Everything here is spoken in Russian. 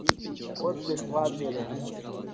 отдых в адлере